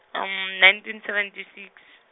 nineteen seventy six.